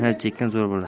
mehnat chekkan zo'r bo'lar